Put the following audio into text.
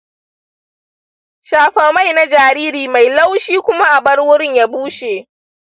shafa mai na jariri mai laushi kuma abar wurin ya bushe.